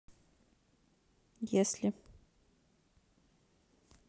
если